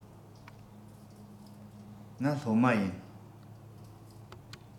ང སློབ མ ཡིན